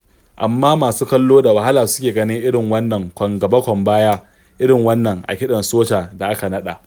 Amma masu kallo da wahala suke ganin irin wanan kwan-gaba-kwan-baya irin wannan a kiɗa socar da aka naɗa.